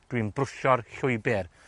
Dwi'n brwsio'r llwybyr.